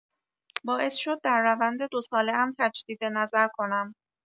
باعث شد در روند دو ساله‌ام تجدیدنظر کنم.